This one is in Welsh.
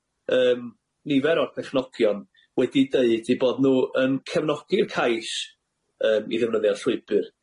yym nifer o'r pechnogion wedi deud 'u bod nw yn cefnogi'r cais yym i ddefnyddio'r llwybyr,